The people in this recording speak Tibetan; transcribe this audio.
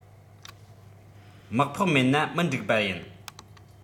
དམག ཕོགས མེད ན མི འགྲིག པ ཡིན